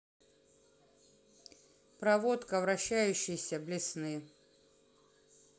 проводка вращающейся блесны